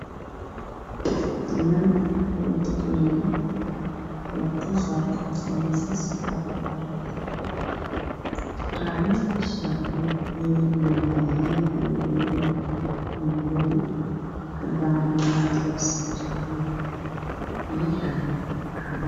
Niman wato shaarar iyo qamiisyo